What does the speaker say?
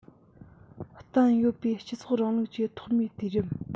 བསྟན ཡོད པའི སྤྱི ཚོགས རིང ལུགས ཀྱི ཐོག མའི དུས རིམ